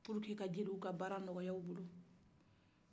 walasa ka jeliw ka baara nɔgɔya u bolo